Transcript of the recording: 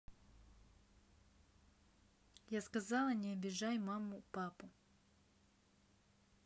я сказала не обижай маму папу